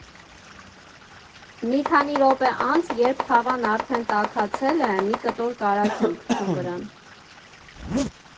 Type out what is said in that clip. Մի քանի րոպե անց, երբ թավան արդեն տաքացել է, մի կտոր կարագ եմ գցում վրան։